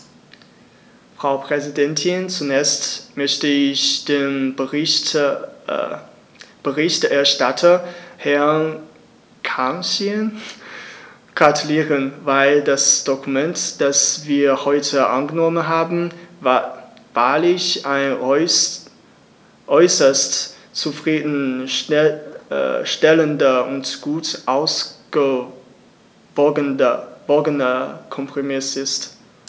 Frau Präsidentin, zunächst möchte ich dem Berichterstatter Herrn Cancian gratulieren, weil das Dokument, das wir heute angenommen haben, wahrlich ein äußerst zufrieden stellender und gut ausgewogener Kompromiss ist.